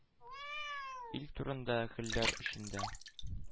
Ил түрендә, гөлләр эчендә